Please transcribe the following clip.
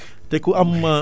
moo gën ci suuf si